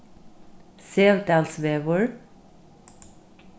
sevdalsvegur